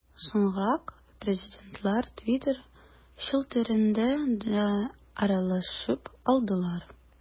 Соңрак президентлар Twitter челтәрендә дә аралашып алдылар.